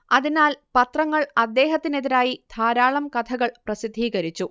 അതിനാൽ പത്രങ്ങൾ അദ്ദേഹത്തിനെതിരായി ധാരാളം കഥകൾ പ്രസിദ്ധീകരിച്ചു